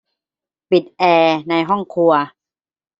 ปิดแอร์ในห้องครัว